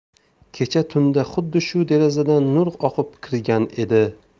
kecha tunda xuddi shu derazadan nur oqib kirgan edi